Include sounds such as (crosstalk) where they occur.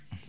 (hesitation)